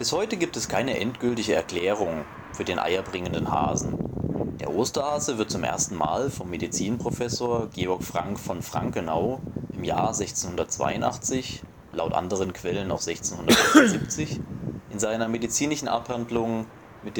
heute gibt es keine endgültige Erklärung für den eierbringenden Hasen. Der Osterhase wird zum ersten Mal vom Medizinprofessor Georg Franck von Frankenau im Jahr 1682 (andere Quelle: 1678) in seiner (medizinischen) Abhandlung „ De